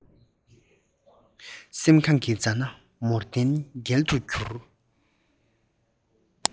སེམས ཁོང གི མཛའ ན མོར གཏན འགལ དུ གྱུར